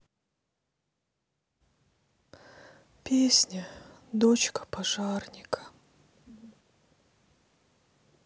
песня дочка пожарника